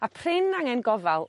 a prin angen gofal